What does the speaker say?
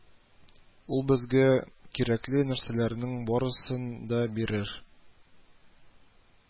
Ул безгә кирәкле нәрсәләрнең барысын да бирер